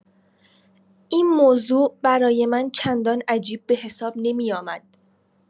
این موضوع برای من چندان عجیب به‌حساب نمی‌آمد.